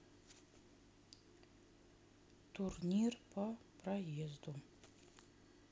турнир по проезду